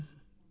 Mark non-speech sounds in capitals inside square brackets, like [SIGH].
[HESITATION]